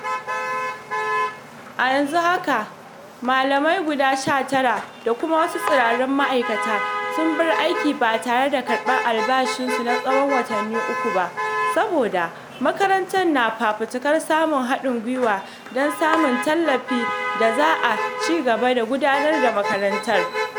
A yanzu haka, malamai guda 19 da kuma wasu tsirarun ma'aikata sun bar aiki ba tare da karɓar albashinsu na tsawon watanni uku ba, saboda makarantar na fafutukar samun haɗin gwiwar don samun tallafin da za a cigaba da gudanar da makarantar.